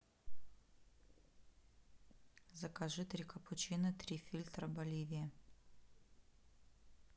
закажи три капучино три фильтра боливия